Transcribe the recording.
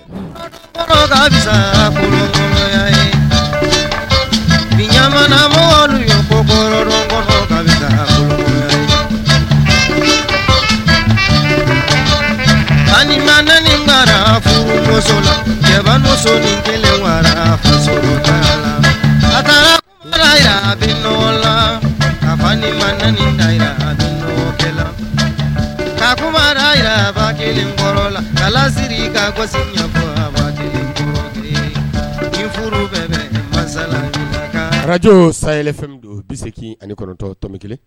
Kasa yamana ya kasa ma mara muso ya la ka fa ma na kakuma yakelenkɔrɔ la ka siri kago ya ni foro bɛmasasala ka araj sayfɛn don bɛ se k ani kɔrɔtɔto kelen